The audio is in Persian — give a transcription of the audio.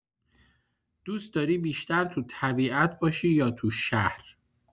دوست‌داری بیشتر تو طبیعت باشی یا تو شهر؟